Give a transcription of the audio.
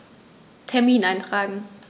Termin eintragen